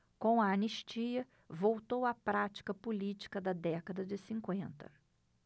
com a anistia voltou a prática política da década de cinquenta